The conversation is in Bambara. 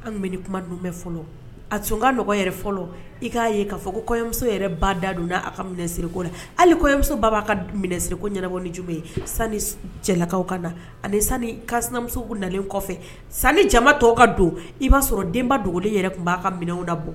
An bɛ ni kuma dun bɛ fɔlɔ a tun ka nɔgɔ yɛrɛ fɔlɔ i k'a ye k'a fɔ ko kɔmuso yɛrɛ ba da don a ka minɛsirireko la hali kɔmuso b'a ka minɛsirire ko yɛrɛ ni jumɛn ye sanini cɛlakaw ka na ani sanu kamuso nalen kɔfɛ jama tɔgɔ ka don i b'a sɔrɔ denba dogolen yɛrɛ tun b' aa ka minɛn da bɔ